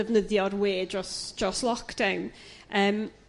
defnyddio'r we dros dros lock down yrm